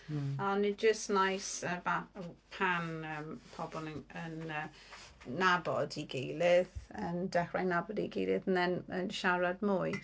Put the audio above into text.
Ond yn jyst nice ba- pan yym pobl yn yy nabod ei gilydd, yn dechrau nabod i gilydd and then yn siarad mwy.